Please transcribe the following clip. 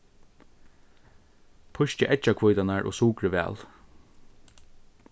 pískið eggjahvítarnar og sukrið væl